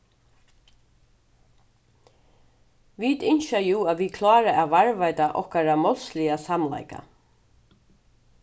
vit ynskja jú at vit klára at varðveita okkara málsliga samleika